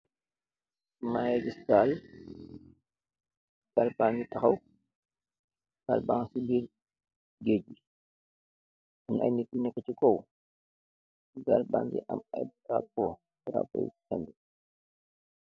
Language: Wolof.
Mangi kess gaal , gaal baa keeh tahaww , gaal bageh si birr gegg , bukeeh emm ayy neet yuneh si koow , gaal bakeh emm ayy trapo , trapo yu emm.